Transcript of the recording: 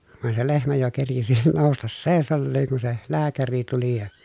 vaan se lehmä jo kerkisi nousta seisaalleen kun se lääkäri tuli ja